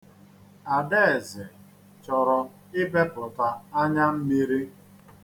Adaeze chọrọ ibepụta anyammiri.